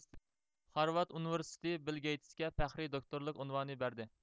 خارۋارد ئۇنىۋېرسىتېتى بىل گېيتىسكە پەخرىي دوكتورلۇق ئۇنۋانى بەردى